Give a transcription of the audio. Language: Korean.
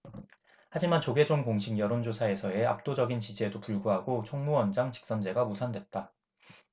하지만 조계종 공식 여론조사에서의 압도적인 지지에도 불구하고 총무원장 직선제가 무산됐다